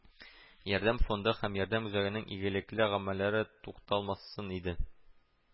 “ярдәм” фонды һәм “ярдәм” үзәгенең игелекле гамәлләре тукталмасын иде